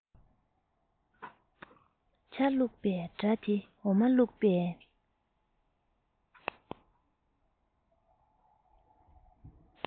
ཇ བླུག པའི སྒྲ དེ འོ མ བླུག པའི